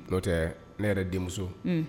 N'o tɛ ne yɛrɛ denmuso